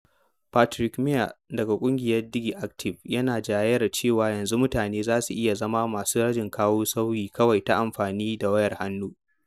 Patrick Meier daga Ƙungiyar DigiActive yana jayayyar cewa, yanzu mutane za su iya zama masu rajin kawo sauyi kawai ta amfani wayar hannu.